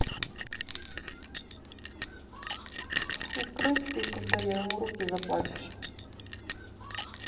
открой стих когда я ему руки заплачешь